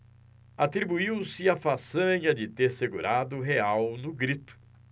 atribuiu-se a façanha de ter segurado o real no grito